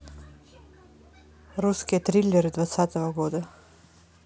русские триллеры двадцатого года